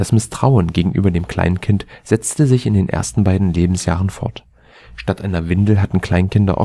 Misstrauen gegenüber dem Kleinkind setzte sich in den ersten beiden Lebensjahren fort. Statt einer Windel hatten Kleinkinder